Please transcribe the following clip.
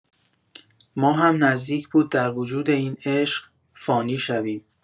ما هم نزدیک بود در وجود این عشق، فانی شویم.